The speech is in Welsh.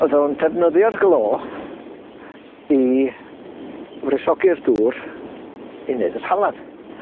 Odda n'w'n defnyddio'r glo i wresogi'r dŵr i neud yr halan.